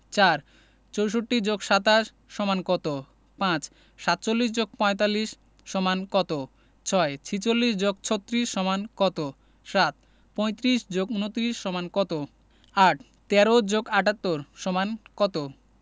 ৪ ৬৪ + ২৭ = কত ৫ ৪৭ + ৪৫ = কত ৬ ৪৬ + ৩৬ = কত ৭ ৩৫ + ২৯ = কত ৮ ১৩ + ৭৮ = কত